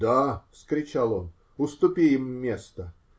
-- Да, -- вскричал он, -- уступи им место!